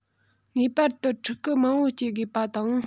ངེས པར དུ ཕྲུ གུ མང པོ སྐྱེ དགོས པ དང